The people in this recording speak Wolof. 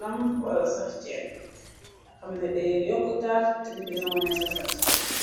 lam wala sax ceen daxamne day yokk taar te diggëna wone sasanse.